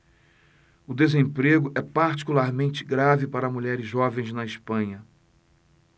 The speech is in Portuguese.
o desemprego é particularmente grave para mulheres jovens na espanha